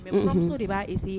Mais buramuso de b'a essayer